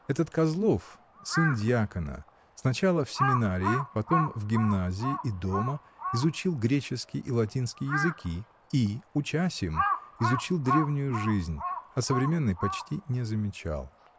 Этот Козлов, сын дьякона, сначала в семинарии, потом в гимназии и дома — изучил греческий и латинский языки и, учась им, изучил древнюю жизнь, а современной почти не замечал.